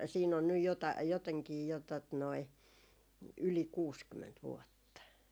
siinä on nyt - jotenkin jo tuota noin yli kuusikymmentä vuotta